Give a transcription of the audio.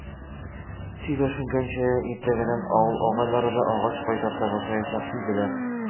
Сөйләшенгәнчә, иртәгәдән авыл агайлары да агач кайтарта башлаячак иделәр.